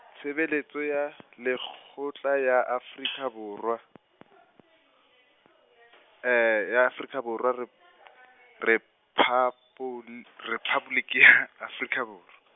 Tshebeletso ya Lekgotla ya Afrika Borwa , ya Afrika Borwa, Re-, Rephaboli-, Rephaboliki ya Afrika Borwa.